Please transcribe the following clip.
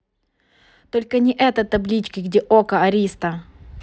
только не это таблички где okko ариста